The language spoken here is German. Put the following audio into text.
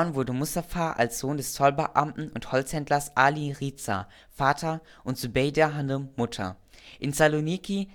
wurde Mustafa als Sohn des Zollbeamten und Holzhändlers Ali Riza (Vater) und Zübeyda Hanim (Mutter), in Saloniki